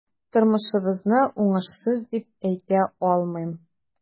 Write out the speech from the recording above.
Тормышыбызны уңышсыз дип әйтә алмыйм.